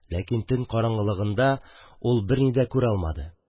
Ләкин төн караңгылыгында ул берни дә күрә алмады